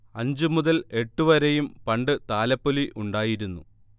അഞ്ച് മുതൽ എട്ട് വരെയും പണ്ട് താലപ്പൊലി ഉണ്ടായിരുന്നു